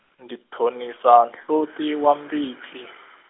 ndzi tshonisa nhloti wa mbitsi .